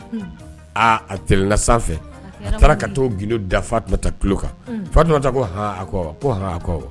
A tla sanfɛ a taara ka taa g dafa tun taa tulo kan fa tun ko